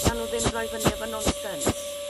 na'n nw ddim roi fyny efo nonsens.